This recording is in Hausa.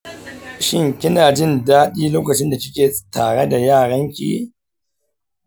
shin kina jin daɗi lokacin da kike tare da yaranki?